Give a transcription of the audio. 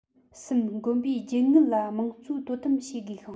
གསུམ དགོན པའི རྒྱུ དངུལ ལ དམངས གཙོའི དོ དམ བྱེད དགོས ཤིང